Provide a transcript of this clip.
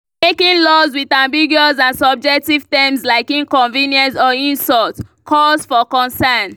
Making laws with ambiguous and subjective terms like "inconvenience" or "insult" calls for concern.